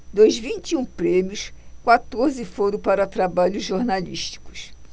dos vinte e um prêmios quatorze foram para trabalhos jornalísticos